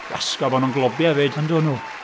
Iasgob, o'n nhw'n globiau 'fyd, yndo nhw.